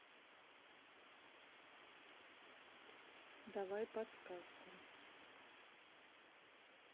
давай подсказку